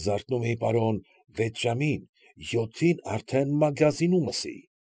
Զարթնում էի, պարոն, վեց ժամին, յոթին արդեն մագազինումս էի։